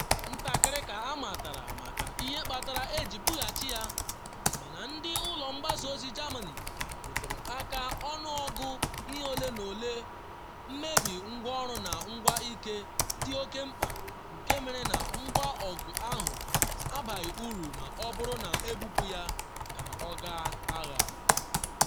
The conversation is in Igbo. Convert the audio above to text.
Ntakịrị ka amatara maka ihe kpatara eji bughachi ya, mana ndị ụlọ mgbasa ozi Germany rụtụrụ aka ọnụọgụ ihe ole ma ole “mmebi ngwanro na ngwaike “ dị oke mkpa, nke mere na ngwa ọgụ ahụ abaghị uru ma ọ bụrụ na-ebupu ya ka ọ gaa agha.